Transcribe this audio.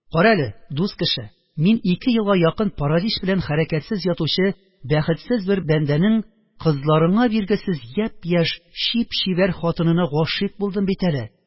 «кара әле, дус кеше, мин ике елга якын паралич белән хәрәкәтсез ятучы бәхетсез бер бәндәнең кызларыңа биргесез япь-яшь, чип-чибәр хатынына гашыйк булдым бит әле.